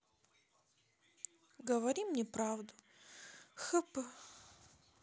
говори мне правду хп